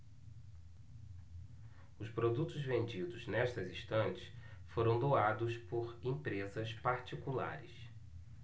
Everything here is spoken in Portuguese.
os produtos vendidos nestas estantes foram doados por empresas particulares